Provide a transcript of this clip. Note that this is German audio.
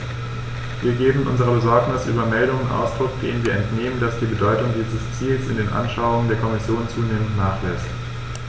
Wir geben unserer Besorgnis über Meldungen Ausdruck, denen wir entnehmen, dass die Bedeutung dieses Ziels in den Anschauungen der Kommission zunehmend nachlässt.